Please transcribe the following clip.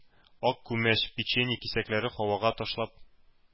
Ак күмәч, печение кисәкләре һавага ташлап,